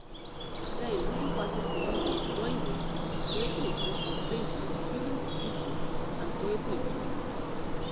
Then ruling party Frelimo joined in, creating a group on Facebook, using Youtube, and creating a tweet.